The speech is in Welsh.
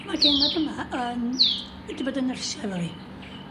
Ma'r genod yma yn 'edi bod yn nyrsio efo fi. ...